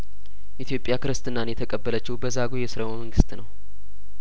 ኢትዮጵያ ክርስትናን የተቀበለችው በዛጔ ስርወ መንግስት ነው